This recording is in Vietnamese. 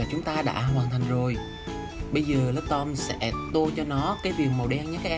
vậy là chúng ta đã hoàn thành rồi bây giờ love tom sẽ tô cho nó cái viền màu đen nhé các em